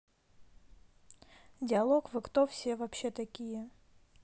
диалог вы кто все вообще такие